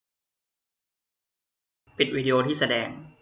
ปิดวิดีโอที่แสดง